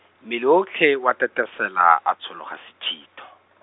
mmele otlhe wa tetesela, a tshologa sethitho .